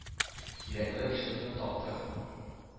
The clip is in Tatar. «кирәкле кешебезне таптык!» —